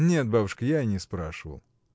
— Нет, бабушка, я и не спрашивал.